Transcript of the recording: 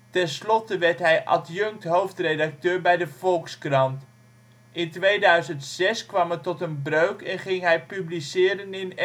Tenslotte werd hij adjunct-hoofdredacteur bij de Volkskrant. In 2006 kwam het tot een breuk en ging hij publiceren in